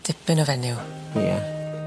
Dipyn o fenyw. Ia.